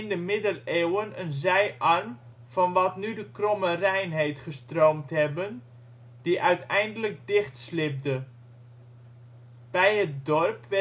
de Middeleeuwen een zijarm van wat nu de Kromme Rijn heet gestroomd hebben, die uiteindelijk dichtslibde. Bij het dorp